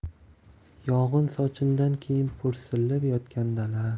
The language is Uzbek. yog'in sochindan keyin po'rsillab yotgan dala